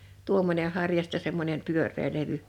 tuommoinen harja ja sitten semmoinen pyöreä levy